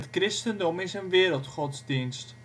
christendom is een wereldgodsdienst